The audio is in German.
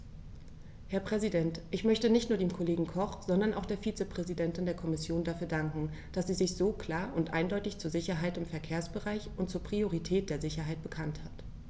Herr Präsident, ich möchte nicht nur dem Kollegen Koch, sondern auch der Vizepräsidentin der Kommission dafür danken, dass sie sich so klar und eindeutig zur Sicherheit im Verkehrsbereich und zur Priorität der Sicherheit bekannt hat.